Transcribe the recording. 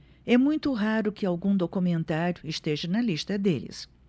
é muito raro que algum documentário esteja na lista deles